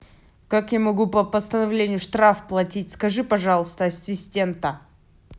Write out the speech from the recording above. как я могу по постановлению штраф платить скажи пожалуйста ассистента